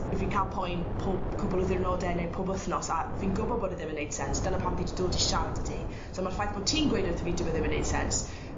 'yf fi ca'l poen pob cwpwl o ddiwrnode ne' pob wthnos a fi'n gwbo bod e ddim yn neud sense dyna pam fi 'di dod i siarad 'dy ti. So ma'r ffaith bo' ti'n gweud wrtho fi dyw e ddim yn neud sense